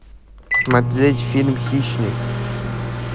смотреть фильм хищник